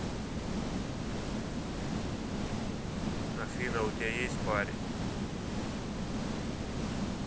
афина а у тебя есть парень